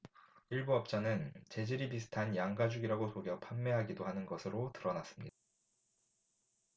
일부 업자는 재질이 비슷한 양 가죽이라고 속여 판매하기도 하는 것으로 드러났습니다